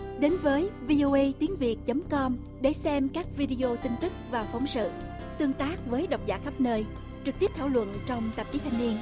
đến với vi ô ây tiếng việt chấm com để xem các vi đi ô tin tức và phóng sự tương tác với độc giả khắp nơi trực tiếp thảo luận trong tạp chí thanh niên